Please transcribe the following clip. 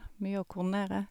Mye å koordinere.